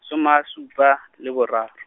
soma a supa, le boraro.